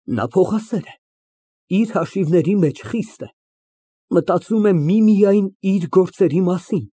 Նա փողասեեր է, իր հաշիվների մեջ խիստ է, մտածում է միմիայն իր գործերի մասին։